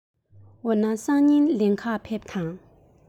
འོ ན སང ཉིན ལེན ག ཕེབས དང